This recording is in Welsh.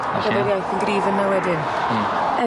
Felly o'dd yr iaith yn gryf yna wedyn. Hmm.